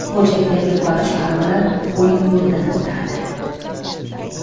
xo'jalikdagi barcha aravalar uning qo'lidan o'tardi